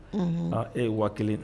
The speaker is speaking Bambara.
Aa e ye wa kelen